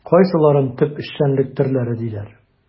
Кайсыларын төп эшчәнлек төрләре диләр?